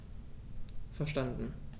Verstanden.